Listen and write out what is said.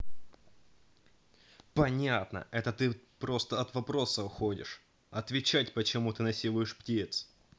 понятно это ты просто от вопроса уходишь отвечать почему ты насилуешь птиц